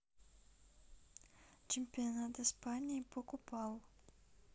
чемпионат испании покупал